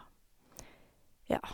Ja.